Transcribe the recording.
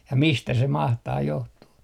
ja mistä se mahtaa johtua